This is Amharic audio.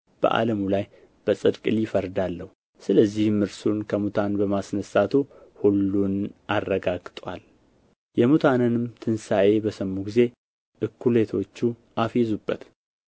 በዓለሙ ላይ በጽድቅ ሊፈርድ አለው ስለዚህም እርሱን ከሙታን በማስነሣቱ ሁሉን አረጋግጦአል የሙታንንም ትንሣኤ በሰሙ ጊዜ እኵሌቶቹ አፌዙበት